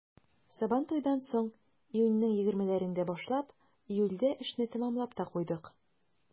Сабантуйдан соң, июньнең 20-ләрендә башлап, июльдә эшне тәмамлап та куйдык.